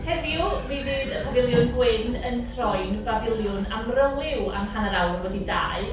Heddiw, mi fydd y Pafiliwn Gwyn yn troi'n bafiliwn amryliw am hanner awr wedi dau.